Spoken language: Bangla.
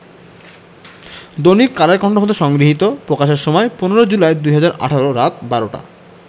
দৈনিক কালের কন্ঠ হতে সংগৃহীত প্রকাশের সময় ১৫ জুলাই ২০১৮ রাত ১২টা